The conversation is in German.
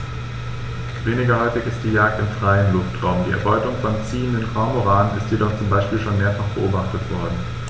Weniger häufig ist die Jagd im freien Luftraum; die Erbeutung von ziehenden Kormoranen ist jedoch zum Beispiel schon mehrfach beobachtet worden.